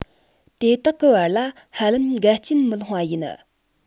དེ དག གི བར ལ ཧ ལམ འགལ རྐྱེན མི ལྷུང བ ཡིན